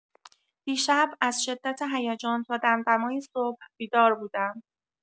دیشب از شدت هیجان تا دم دمای صبح بیدار بودم.